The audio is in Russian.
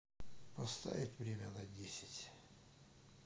поставить время на десять часов